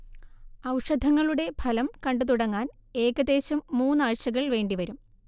ഔഷധങ്ങളുടെ ഫലം കണ്ടുതുടങ്ങാൻ ഏകദേശം മൂന്നാഴ്ചകൾ വേണ്ടിവരും